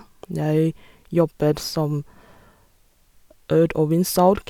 Jeg jobber som øl- og vinsalg.